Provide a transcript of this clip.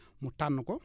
mu tànn ko